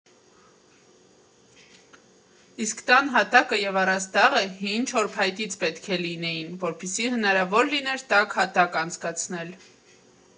Իսկ տան հատակը և առաստաղը հին չոր փայտից պետք է լինեին, որպեսզի հնարավոր լիներ տաք հատակ անցկացնել։